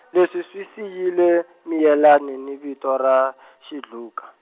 leswi swi siyile, Miyelani ni vito ra , Xidluka.